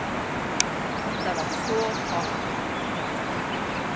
hetta var so tápuligt